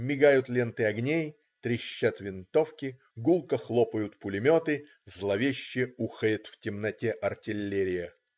Мигают ленты огней, трещат винтовки, гулко хлопают пулеметы, зловеще ухает в темноте артиллерия.